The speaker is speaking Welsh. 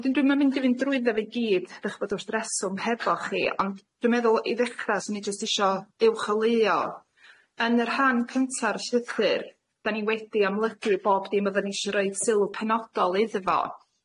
Wedyn dwi'm yn mynd i fynd drwyddo fe i gyd 'dach ch'bod wrth reswm hefo chi, ond dwi'n meddwl i ddechra swn i jyst isio uwcholeuo, yn yr rhan cynta o'r llythyr da ni wedi amlygu bob dim oddan ni isio roid sylw penodol iddo fo.